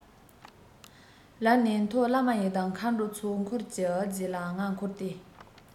ལར ནས མཐོ བླ མ ཡི དམ མཁའ འགྲོའི ཚོགས འཁོར གྱི རྫས ལའང ང འཁོར སྟེ